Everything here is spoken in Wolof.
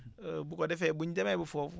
bu ko defee buñ demee ba foofu